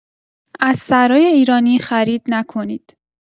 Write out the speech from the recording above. از سرای ایرانی خرید نکنید!